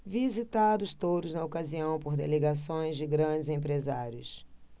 visitados todos na ocasião por delegações de grandes empresários